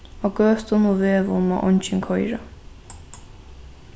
á gøtum og vegum má eingin koyra